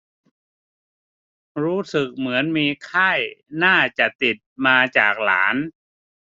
รู้สึกเหมือนมีไข้น่าจะติดมาจากหลาน